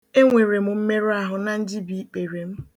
Enwere m mmerụ ahụ na njibi ikpere m